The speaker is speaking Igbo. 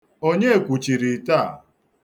Onye kwuchiri ite a?